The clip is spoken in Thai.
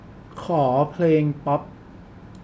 ขอเพลงป๊อป